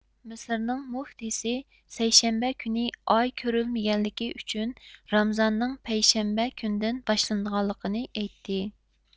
مىسىرنىڭ مۇفتىسى سەيشەنبە كۈنى ئاي كۆرۈلمىگەنلىكى ئۈچۈن رامزاننىڭ پەيشەنبە كۈندىن باشلىنىدىغانلىقىنى ئېيتتى